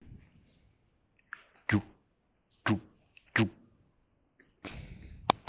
རྒྱུགས རྒྱུགས རྒྱུགས